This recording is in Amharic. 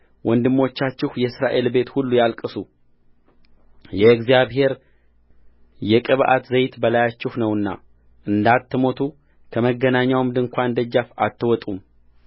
ወንድሞቻችሁ የእስራኤል ቤት ሁሉ ያልቅሱየእግዚአብሔር የቅብዓት ዘይት በላያችሁ ነውና እንዳትሞቱ ከመገናኛው ድንኳን ደጃፍ አትወጡም